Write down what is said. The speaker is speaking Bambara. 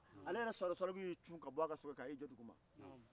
ni o tɛ fɔlɔla denbaw de tun bɛ den bilasirala